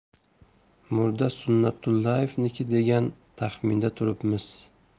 murda sunnatullaevniki degan taxminda turibmiz